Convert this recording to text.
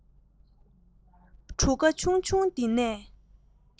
གྲུ ག ཆུང ཆུང འདི ནས